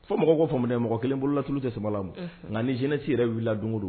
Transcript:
Fo mɔgɔw ko faamuya mɔgɔ kelen bololatulu tɛ sama lamu, unhun, nka ni jeunesse yɛrɛ wili don don.